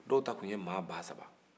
dɔw ta tun ye maa ba saba